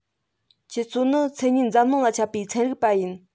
ཁྱེད ཚོ ནི མཚན སྙན འཛམ གླིང ལ ཁྱབ པའི ཚན རིག པ ཡིན